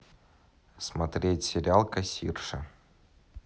смотреть сериал кассирша